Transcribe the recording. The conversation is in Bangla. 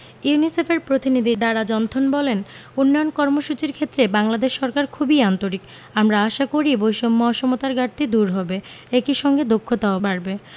ইউনিসেফের প্রতিনিধি ডারা জনথন বলেন উন্নয়ন কর্মসূচির ক্ষেত্রে বাংলাদেশ সরকার খুবই আন্তরিক আমরা আশা করি বৈষম্য অসমতার ঘাটতি দূর হবে একই সঙ্গে দক্ষতাও বাড়বে